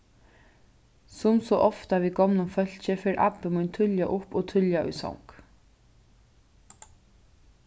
sum so ofta við gomlum fólki fer abbi mín tíðliga upp og tíðliga í song